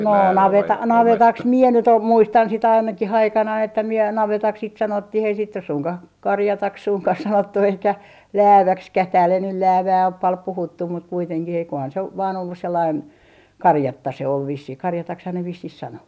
no - navetaksi minä nyt - muistan sitä ainakin aikanani että minä navetaksi sitä sanottiin ei sitä nyt suinkaan karjataksi suinkaan sanottu eikä lääväksikään täällä ei nyt läävää ole paljon puhuttu mutta kuitenkin eiköhän se ole vain ollut sellainen karjatta se oli vissiin karjataksihan ne vissiin sanoi